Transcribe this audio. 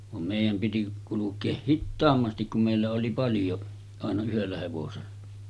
vaan meidän piti kulkea hitaammasti kun meillä oli paljon aina yhdellä hevosella